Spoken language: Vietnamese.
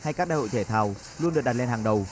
hay các đại hội thể thao luôn được đặt lên hàng đầu